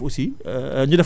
def ko